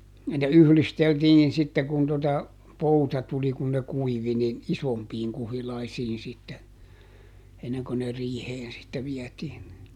ja ne yhdisteltiin sitten kun tuota pouta tuli kun ne kuivui niin isompiin kuhilaisiin sitten ennen kuin ne riiheen sitten vietiin ne